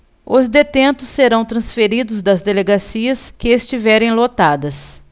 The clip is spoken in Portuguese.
os detentos serão transferidos das delegacias que estiverem lotadas